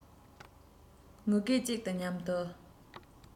ངུ སྐད གཅིག དང མཉམ དུ